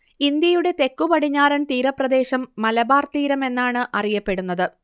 ഇന്ത്യയുടെ തെക്കുപടിഞ്ഞാറൻ തീരപ്രദേശം മലബാർ തീരം എന്നാണ് അറിയപ്പെടുന്നത്